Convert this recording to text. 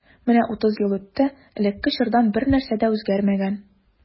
Менә утыз ел үтте, элекке чордан бернәрсә дә үзгәрмәгән.